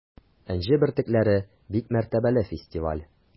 “энҗе бөртекләре” - бик мәртәбәле фестиваль.